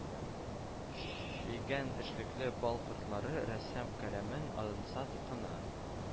Чөйгән эшлекле бал кортлары рәссам каләменә ансат кына